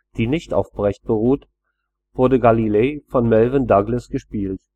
die nicht auf Brecht beruht, wurde Galilei von Melvyn Douglas gespielt